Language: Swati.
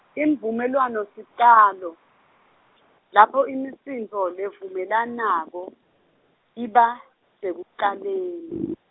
Imvumelwanosicalo, lapho imisindvo levumelanako, iba, sekucaleni.